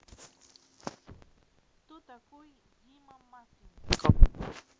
кто такой дима масленников